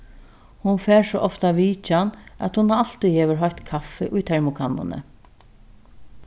hon fær so ofta vitjan at hon altíð hevur heitt kaffi í termokannuni